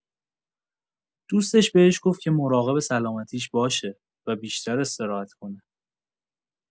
دوستش بهش گفت که مراقب سلامتیش باشه و بیشتر استراحت کنه.